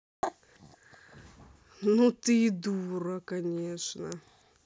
ну ты и дура конечно